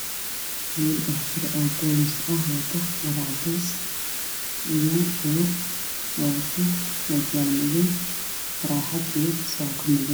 Wiil askari boolis ah oo wato maro cadaan